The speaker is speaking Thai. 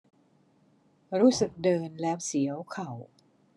รู้สึกเดินแล้วเสียวเข่า